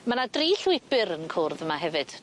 Ma' 'na dri llwybyr yn cwrdd yma hefyd.